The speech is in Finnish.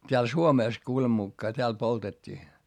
täällä Suomessa kuuleman mukaan täällä poltettiin